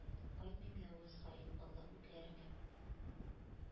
Кайтмыйм, явыз, хаин алла, күкләреңә!